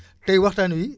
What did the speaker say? tay waxtaan wi